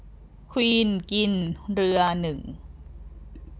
ควีนกินเรือหนึ่ง